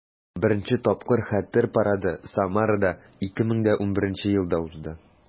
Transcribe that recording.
Беренче тапкыр Хәтер парады Самарада 2011 елда узды.